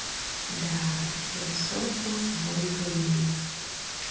да я создал свой плейлист